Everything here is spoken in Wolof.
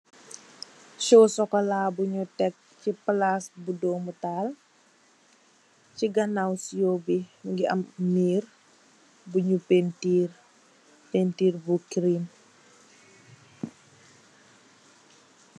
Sow sokala bunu tekk ci palaas bu doomutal. Chi ganaaw sow bi mungi am mirr bi ñuul bunu pentirr bu kirim.